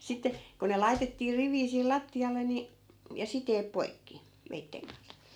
sitten kun ne laitettiin riviin siihen lattialle niin ja siteet poikki veitsen kanssa